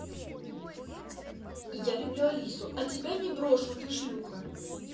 я люблю алису а тебя не брошу ты шлюха